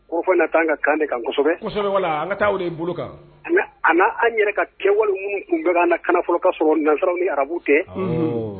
O fɔ na ka kan de kan a an ka kɛ wale kun bɛ fɔlɔ ka sɔrɔ nanzsaraw ni arabu tɛ